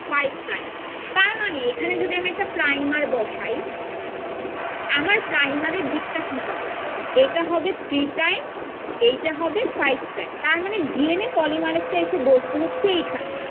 5 prime আমরা তার মানে এখানে যদি আমি একটা প্রাইমার বসাই আমার প্রাইমারের দিক টা কি হবে এটা হবে থ্রি প্রাইম এটা হবে ফাইভ প্রাইম তার মানে ডি এন এ পলিমারেজ টা এসে বসবে হচ্ছে এইখানে